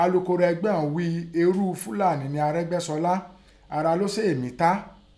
Alukoro ẹgbẹ́ ọ̀hún ghí i erú Filàní nẹ Arẹ́gbẹ́sọlá, ara ló sèè mí tá.